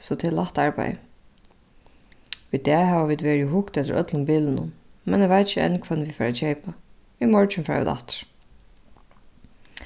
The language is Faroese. so tað er lætt arbeiði í dag hava vit verið og hugt eftir øllum bilunum men eg veit ikki enn hvønn vit fara at keypa í morgin fara vit aftur